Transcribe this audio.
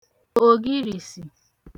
ògirìsì